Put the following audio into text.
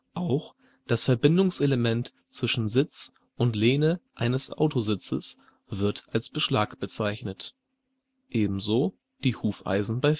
Auch das Verbindungselement zwischen Sitz und Lehne eines Autositzes wird als Beschlag bezeichnet, ebenso die Hufeisen bei